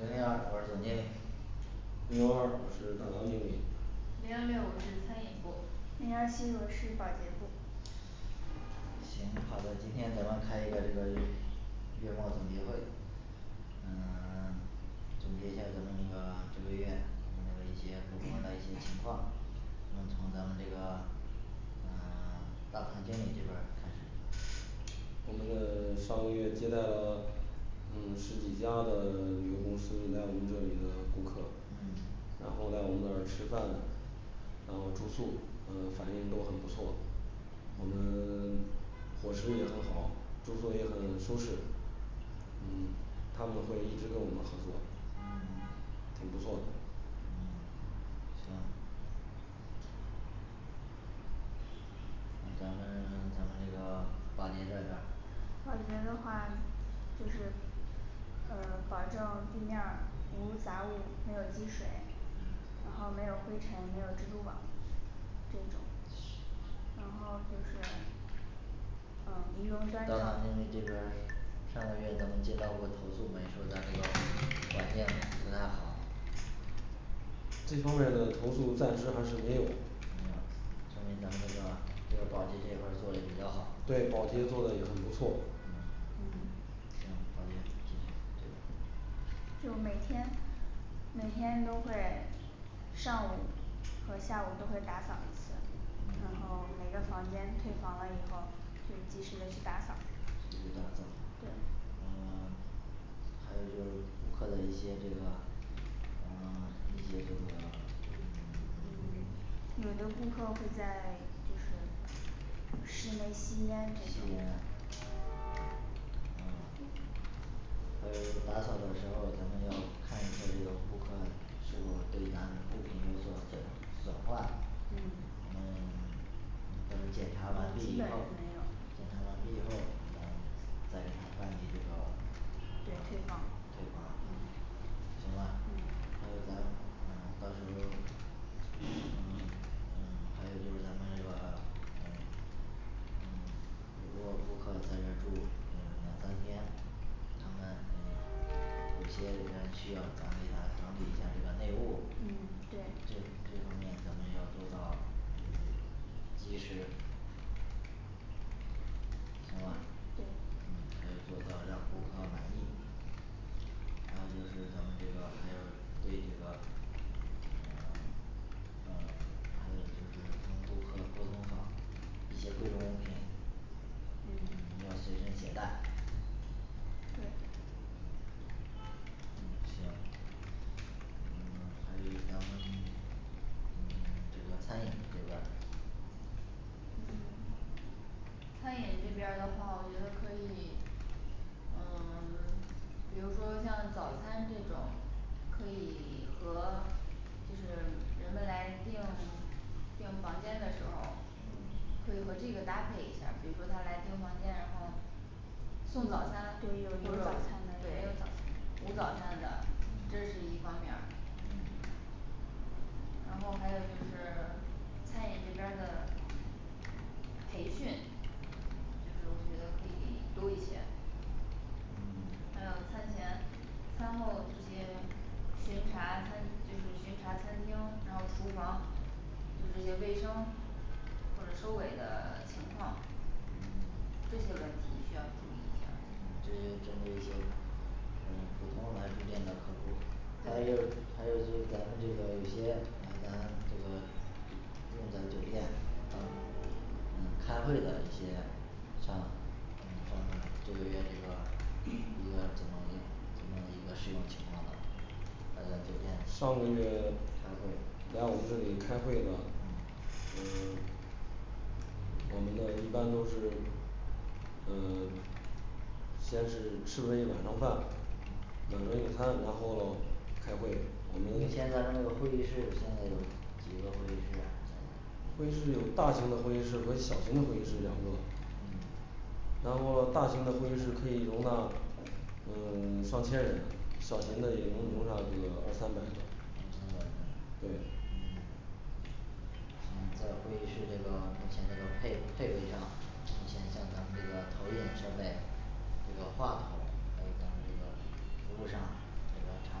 零零二我是总经理零幺二我是大堂经理零幺六我是餐饮部零幺七我是保洁部行，好的，今天咱们开一个这个月末总结会嗯 我们呢上个月接待了嗯十几家的 旅游公司来我们这里的顾客嗯，然后我们在这儿吃饭然后住宿嗯反映都很不错，我们 伙食也很好，住宿也很舒适，嗯他们会一直跟我们合作嗯，挺不错的嗯行那咱们咱们这个保洁这边儿嗯然后没有灰尘，没有蜘蛛网。这种然后就是嗯仪容大端正堂经理这边儿上个月咱们接到过投诉没说咱这个环境不太好这一方面儿的投诉暂时还是没有没有说明咱们这个这个保洁这一块儿做嘞比较好，嗯个对保洁做得也很不错嗯嗯行，保洁继续这就每天 每天都会上午和下午都会打扫一次嗯然后每个房间退房了以后会及时嘞去打扫及时打扫，对有的顾客会在就是室内吸烟吸这种烟嗯在这个打扫的时候，咱们要看一下这个顾客是否对咱物品有所损，损坏嗯嗯 嗯等检基查完毕以本后是没有，检查完毕以后咱再给他办理这个呃对退退房房嗯行吧嗯还有咱啊到时候儿嗯嗯还有就是咱们这个呃嗯如果顾客在这儿住嗯两三天，他们诶有些人需要咱给他整理一下这个内务嗯对这这方面咱们要做到嗯及时行吧对嗯可以做到让顾客满意。还有就是咱们这个还有对这个嗯嗯还有就是跟顾客沟通好。一些贵重物品，嗯嗯要随身携带对嗯行嗯 还是咱们 嗯 这个餐饮这边儿嗯餐饮这边儿的话我觉得可以，嗯 比如说像早餐这种可以 和就是人们来定 订房间的时候儿嗯会和这个搭配一下儿，比如说他来订房间，然后送早餐对对有有早餐的，有没有早餐的无早餐的这嗯是一方面儿嗯然后还有就是 餐饮这边儿的培训，就是我觉得可以多一些还有嗯餐前餐后这些巡查，餐就是巡查餐厅，然后厨房就是这个卫生或者收尾的情况嗯这些问题需要注意一下嗯这是针对一些嗯他们这个月这个一个怎么怎么一个使用情况呢来咱酒店上个月开会来我们这里开会的嗯嗯 我们的一般都是呃先是吃了一晚上饭，等着用餐，然后喽开会，我们目前咱们这个会议室现在有几个会议室呀现在会议室有大型的会议室和小型的会议室两个嗯然后大型的会议室可以容纳嗯 上千人，小型的也能容纳个二三百个，二三百个对嗯行在会议室这个目前这个配配备上，以前像咱们这个投影设备，这个话筒，还有咱们这个服务上这个茶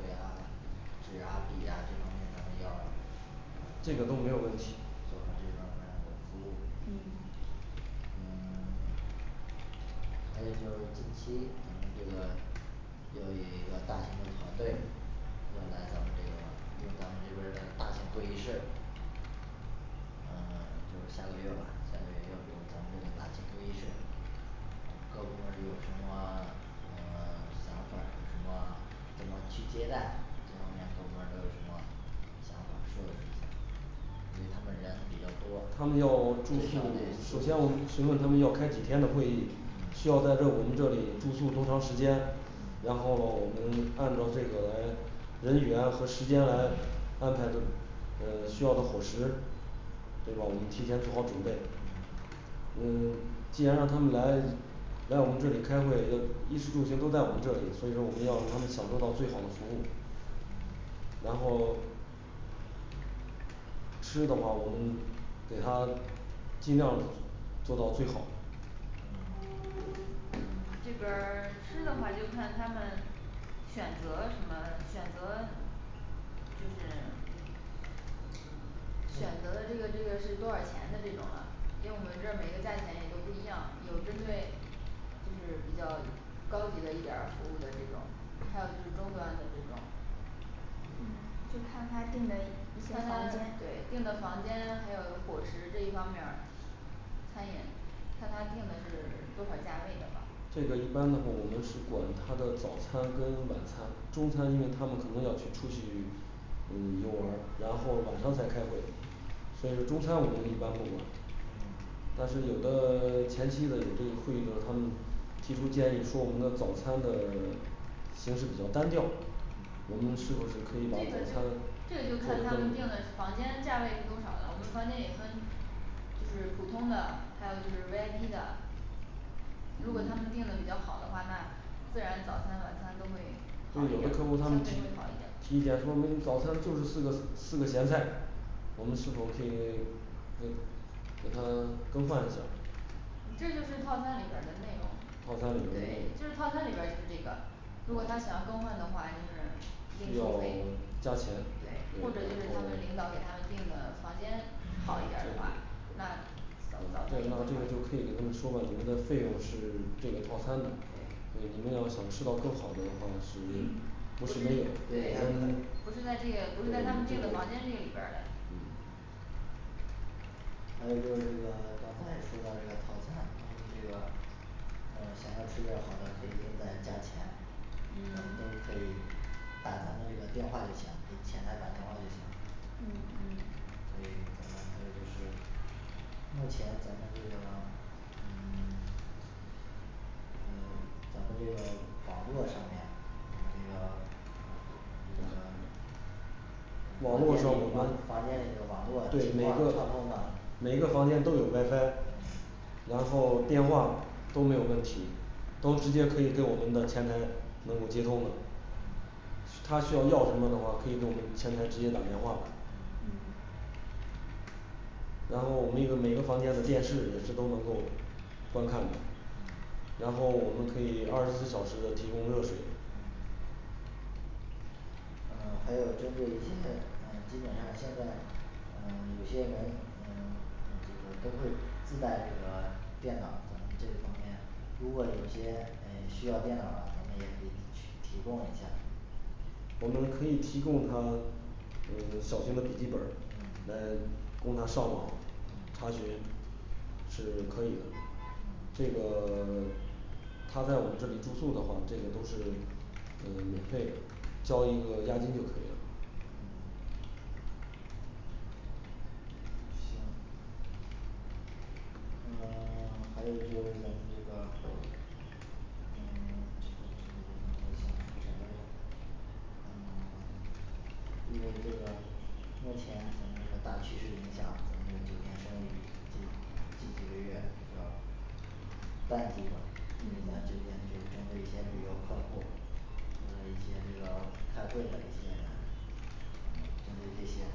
水啊、纸啊、笔啊这方面咱们要这个都没有问题，做好这方面的服务嗯嗯 还有就是近期咱们这个要有一个大型的团队要来咱们这个用咱们这边儿的大型会议室嗯就下个月吧下个月要租咱们这个大型会议室，各部门儿有什么 呃 想法儿有什么？怎么去接待，这方面各部门儿都有什么想法儿说一说因为他们人比较多，，嗯嗯他们要最住宿少得，首先我是四五问他们要开几天的会议嗯需要在这我们这里住宿多长时间，嗯然后咯我们按照这个来人员和时间来安排这，呃需要的伙食对吧？我们提前做好准备嗯嗯既然让他们来来我们这里开会，就衣食住行都在我们这里，所以说我们要让他们享受到最好的服务嗯然后吃的话我们给他尽量做到最好嗯嗯这边儿 吃的话就看他们选择什么的选择就是选择的这个这个是多少钱的这种的，因为我们这儿每个价钱也都不一样，有针对就是比较高级的一点儿服务的这种，还有就是中端的这种嗯就看他定的一些看房间他，对还有伙食这一方面儿餐饮看他定的是多少价位的吧这个一般的话我们是管他的早餐跟晚餐，中餐，因为他们可能要去出去嗯游玩儿，然后晚上才开会。所以说中餐我们一般不管嗯但是有的 前期的有这个会议的，他们提出建议说我们的早餐的 形式比较单调嗯我们嗯这个就是不是可以把他这个就看他们定的房间价位是多少了，我们房间也分嗯就有的客户他们提提意见说没早餐就是四个四个咸菜我们是否可以为为给他 更换一下你这就是套餐里边儿的内容套餐里边儿的内对就是容套餐里边儿就这个如果他想要更换的话，就是另需要收费 加钱对或者对就是他们领然导后给他们订的房间好一点儿的话那对那这个就可以跟他们说吧你们的费用是这个套餐的，对所以你们要想吃到更好的话，是对不是没有对对他们不嗯是在这个不是他们订的房间这里边儿嘞嗯还有就是这个刚才说到这个套餐，他们这个呃想要吃点儿好的可以另在加钱，咱们嗯都可以。打咱们这个电话就行，给前台打电话就行嗯嗯可以咱们还有就是目前咱们这个嗯 嗯咱们这个网络上面咱们这个 这个 网络上我们对每个每个房间都有WiFi，嗯然后电话都没有问题，都直接可以给我们的前台能够接通了，嗯他需要要什么的话，可以跟我们前台直接打电话嗯嗯然后我们一个每个房间的电视也是都能够观看的，嗯然后我们可以二十四小时的提供热水嗯嗯还有就是基本嗯基本上现在嗯有些人嗯这个都会自带这个电脑儿，咱们这个方面如果有些诶需要电脑了，咱们也可以去提供一下儿我们可以提供他嗯小型的笔记本儿嗯来供他上网嗯查询是可以的嗯这个 他在我们这里住宿的话，这个都是嗯免费交一个押金就可以了嗯行嗯 还有就是咱们这个呃 呃 因为这个目前咱们这个大趋势影响我们的酒店生意近近几个月比较淡季吧嗯咱这边就针对一些旅游客户儿，或者一些这个开会的一些人，嗯针对这些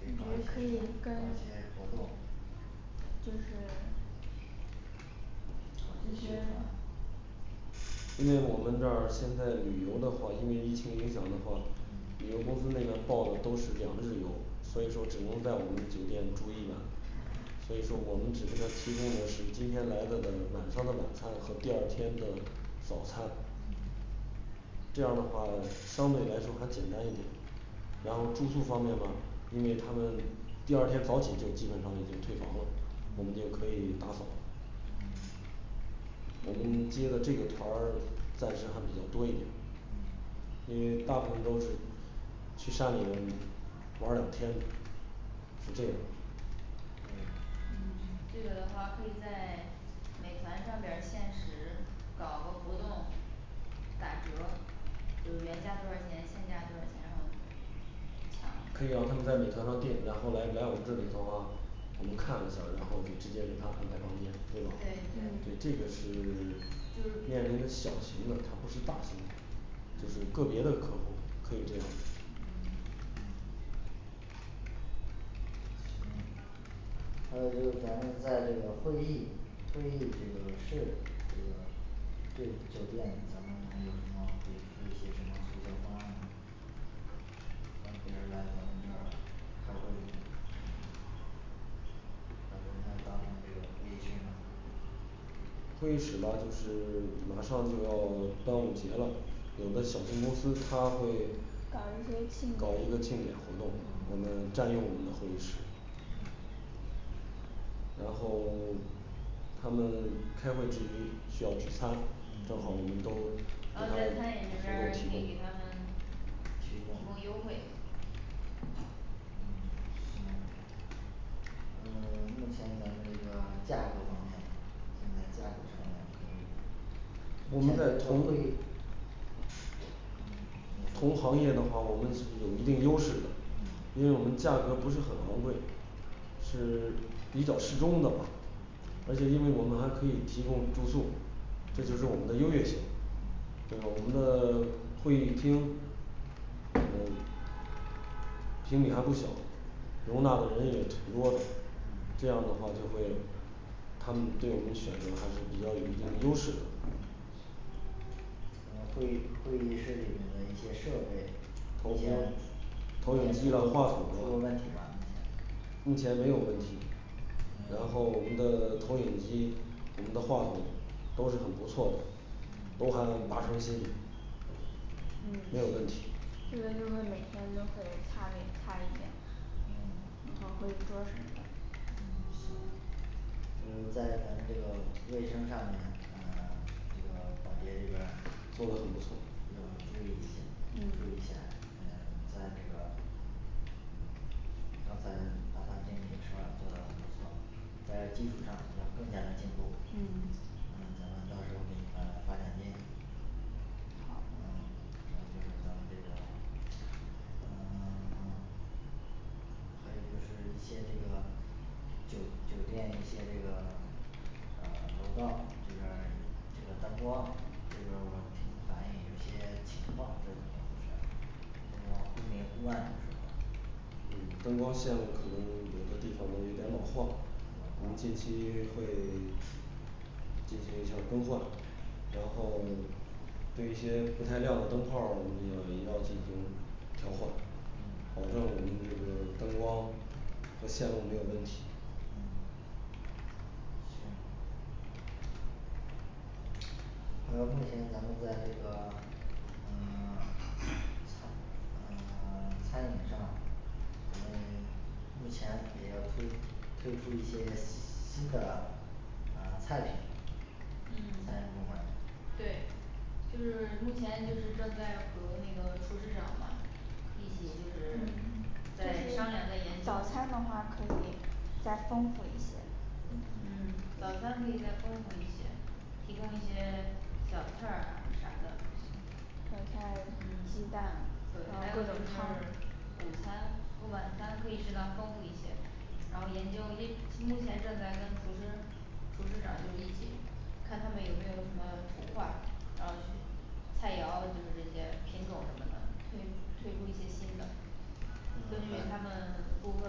直接可以跟就是搞一一些宣些传因为我们这儿现在旅游的话，因为疫情影响的话，嗯旅游公司那边儿报的都是两日游，所以说只能在我们酒店住一晚。所以说我们只给他提供的是今天来了的晚上的晚餐和第二天的早餐嗯这样儿的话相对来说还简单一点。然后住宿方面嘛，因为他们第二天早起就基本上已经退房了嗯我们就可以打扫了嗯我们接的这个团儿暂时还比较多一点，嗯因为大部分都是去山里面玩儿两天，是这对样嗯嗯行这个的话可以在美团上边儿限时搞个活动，打折，就原价多少钱，现价多少钱然后抢可以让他们在美团上订，然后来来我们这里头啊，我们看一下儿，然后就直接给他安排房间对吧对？，对嗯对这个是 面临的小型的，它不是大型的就是个别的客户可以这样嗯嗯嗯还有就是咱们在这个会议会议这个室这个对酒店咱们还有什么比如出一些什么促销方案呢让别人来咱们这儿开会，感觉他当这个会议室呢会议室呢就是 马上就要端午节了。有的小型公司他会搞一些庆搞一个典庆典活动，我嗯们占用我们的会议室然后 他们开会之余需要聚餐嗯正好我们都给啊在餐饮这边儿他可以给提他供们提提供供优惠嗯行呃目前咱们这个价格方面，现在价格上面可以我们的嗯同行业的话我们是有一定优势的，嗯因为我们价格不是很昂贵，是比较适中的吧。而且因为我们还可以提供住宿，这就是我们的优越性。我们的 会议厅呃平米还不小，容纳的人也挺多的。嗯这样的话就会他们对我们选择还是比较有一定的优势的嗯会会议室里面的一些设备，出通过投过影机了，话筒了问题吗目前没有问题。没然后有我们的投影机，我们的话筒都是很不错，嗯都还有八成新滴嗯没有问题嗯这个就是说哪天都会擦呗擦一遍嗯比方说会议桌儿什么的嗯行。呃在咱们这个卫生上面，呃这个保洁这边儿做得很不错，都要注意一下注意一嗯下嗯在这个刚才打算跟你说了做的很不错，在基础上要更加的进步。嗯那咱们到时候给你发发奖金好好的嗯咱们这个嗯 还有就是一些这个嗯灯光线路可能有的地方有点老化，老我化们近期会 进行一下儿更换。然后对一些不太亮的灯泡儿我们要也要进行调换嗯保证我们这个灯光和线路没有问题嗯行呃目前咱们在这个呃 餐呃 餐饮上咱们目前也要推推出一些新的呃菜品嗯 对。就是目前就是正在和那个厨师长嘛一起就是嗯就再是商量再研早餐的究话可以再丰富一些嗯早餐可以再丰富一些，提供一些小菜儿啊啥的，嗯嗯对还有就是，小菜嗯、鸡蛋对，然后还各有种就是汤午餐和晚餐可以适当丰富一些。然后研究也 目前正在跟厨师厨师长就一起看他们有没有什么筹划然后去菜肴就是这些品种什么的，推推出一些新的根据他嗯们顾客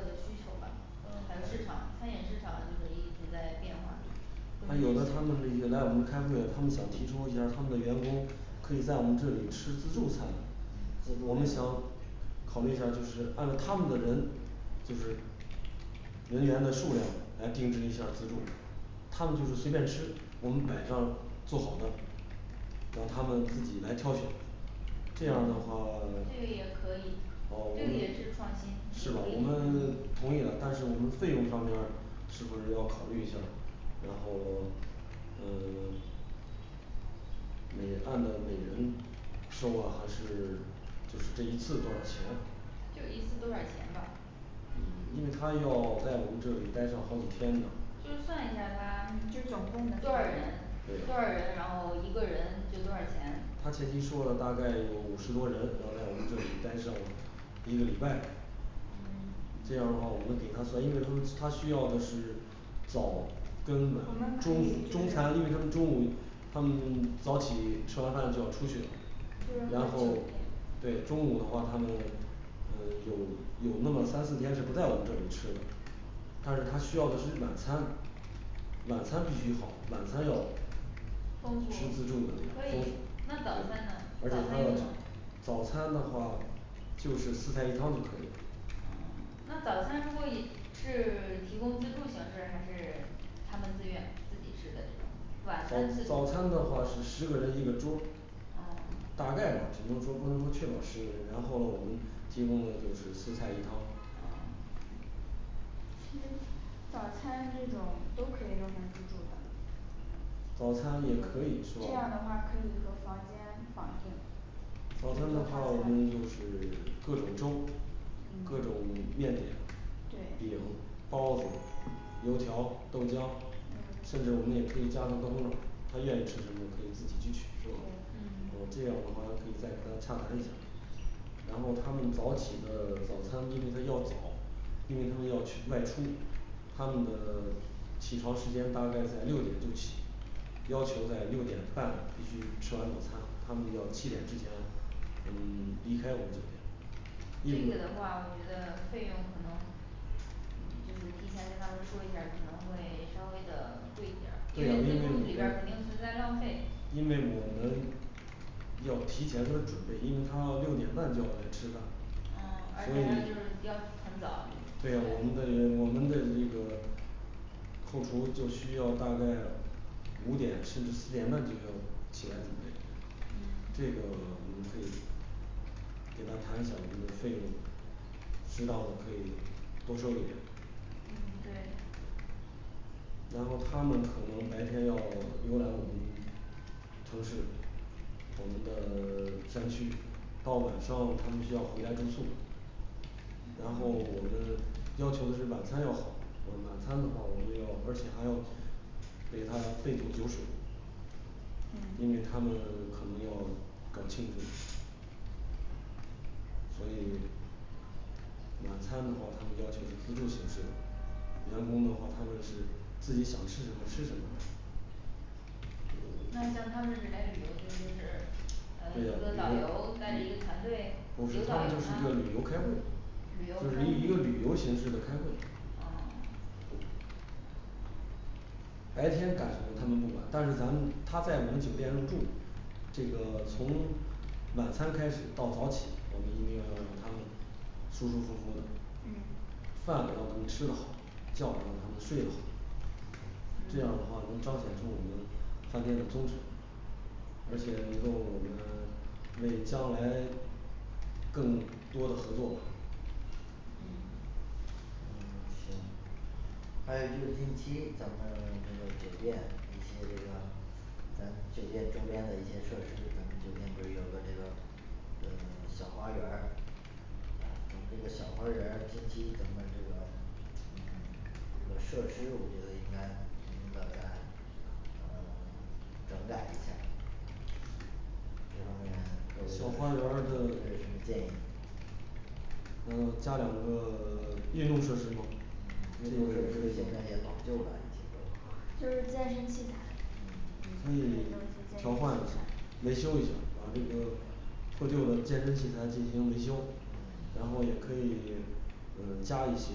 的需求吧，还有市场餐饮市场就是一直在变化他有的他们这些来我们开会，他们想提出一下儿，他们的员工可以在我们这里吃自助餐，我们嗯自助想考虑一下儿就是按照他们的人就是人员的数量来定制一下儿自助他们就是随便吃，我们摆上做好的，让他们自己来挑选这样的话 啊这个也可以我这们个也是创新是吧？我们 同意了，但是我们费用上面儿是不是要考虑一下儿然后 嗯 每按照每人收啊还是这这一次多少钱就一次多少钱吧因为他要在我们这里待上好几天呢嗯就是算一下他就总共的多少人多对少人，然后一个人就多少钱他前期说了大概有五十多人，要在我们这里呆上一个礼拜嗯这样的话我们给他算，因为他们他需要的是早跟我们晚可以中就中是餐，因为他们中午他们早起吃完饭就要出去就是然说酒后店。对，中午的话他们嗯有有那么三四天是不在我们这里吃的，但是他需要的是晚餐，晚餐必须好，晚餐要丰吃富自助可以那早饭呢，早而餐且早餐的话，就是四菜一汤就可以了嗯那早餐如果也是 提供自助形式，还是他们自愿自己吃的那种晚早餐自助早餐的话是十个人一个桌儿嗯大概吧只能说不能说确保十个人，然后我们提供的就是四菜一汤嗯其实早餐这种都可以弄成自助的早餐也可以是吧这样儿的话可以和房间绑定早餐的话我们就是 各种粥，嗯各种面点、对饼包子、油条、豆浆嗯甚至我们也可以加上豆腐脑儿他愿意吃什么可以自己去取是吧对嗯啊这样儿的话可以要再跟他洽谈一下然后他们早起的早餐预备的要早，因为他们要去外出，他们的起床时间大概在六点就起要求在六点半必须吃完早餐，他们要七点之前嗯离开我们酒店。这因为个的话我觉得费用可能就是提前跟他们说一下儿，可能会稍微的贵一点儿，因对呀为因为我们自助里边儿肯定存在浪费，因为我们要提前的准备，因为他要六点半就要来吃饭啊而所且还有就是以要很早，嗯对呀我们的员工能在一个后厨就需要大概五点甚至四点半就要起来准备。嗯这个我们可以给他谈一下我们的费用。知道我可以多说一点儿嗯对然后他们可能白天要浏览我们城市，我们的 山区到晚上他们需要回来住宿然后我们要求的是晚餐要好，我们晚餐的话我们要而且还要给他备注酒水嗯因为他们可能要搞庆祝所以晚餐的话他们要求是自助形式，员工的话他们是自己想吃什么吃什么对呀比如不是他们就是一个旅游开会旅就是以一游个开会旅游形式的开会白天干什么他们不管，但是咱们他在我们酒店入住，这个从晚餐开始到早起，我们一定要让他们舒舒服服的嗯饭我能吃的好，觉让他们睡的好，这样嗯的话能彰显出我们饭店的宗旨而且能够我们为将来 更多的合作吧嗯嗯行还有就近期咱们这个酒店一些这个咱酒店周边的一些设施，咱们酒店不是有个这个呃小花园儿啊咱们这个小花园儿近期咱们这个 嗯这个设施我觉得应该引导大家呃整改一下儿小这花方园面都有儿都有这什么建议然后加两个 运动设施吗嗯运动设施现在有些老旧了有些都就是健身器材嗯就是些健嗯可以调换一下儿身器材，维修一下儿，把那个破旧的健身器材进行维修然后也嗯可以加一些